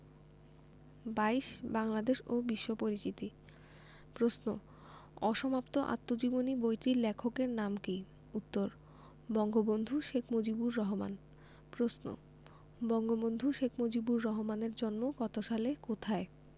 ২২ বাংলাদেশ ও বিশ্ব পরিচিতি প্রশ্ন অসমাপ্ত আত্মজীবনী বইটির লেখকের নাম কী উত্তর বঙ্গবন্ধু শেখ মুজিবুর রহমান প্রশ্ন বঙ্গবন্ধু শেখ মুজিবুর রহমানের জন্ম কত সালে কোথায়